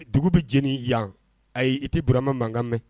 Dugu bɛ jeni yan ayi i tɛ burama mankan mɛn